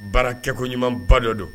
Baarakɛko ɲumanba dɔ don